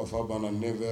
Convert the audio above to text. A fa banna den fɛ